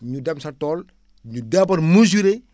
ñu dem sa tool ñu doog a mésurer